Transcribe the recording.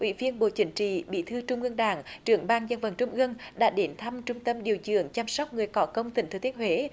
ủy viên bộ chính trị bí thư trung ương đảng trưởng ban dân vận trung ương đã đến thăm trung tâm điều dưỡng chăm sóc người có công tỉnh thừa thiên huế